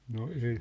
no ei